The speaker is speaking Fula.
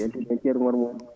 mi weltini hen ceerno Oumar Mody